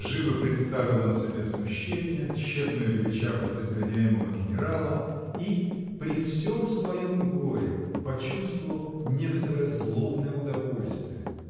живо представил он себе смущение, тщетную величавость изгоняемого генерала и, при всем своем горе, почувствовал некоторое злобное удовольствие.